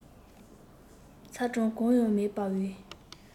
ཚ གྲང གང ཡང མེད པའི